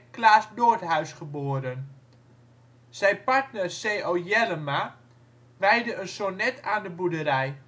Klaas Noordhuis geboren. Zijn partner C.O. Jellema weidde een sonnet aan de boerderij